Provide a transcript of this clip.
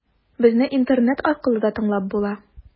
Безне интернет аркылы да тыңлап була.